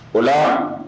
O